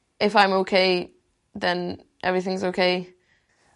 If I'm okay then everythings okay